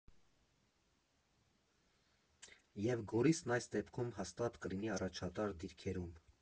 Եվ Գորիսն այս դեպքում հաստատ կլինի առաջատար դիրքերում։